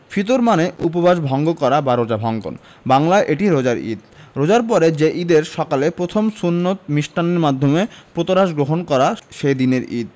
ফিতর মানে উপবাস ভঙ্গ করা বা রোজা ভঙ্গন বাংলায় এটি রোজার ঈদ রোজার পরে যে ঈদের সকালে প্রথম সুন্নত মিষ্টান্নের মাধ্যমে প্রাতরাশ গ্রহণ করা সে দিনের ঈদ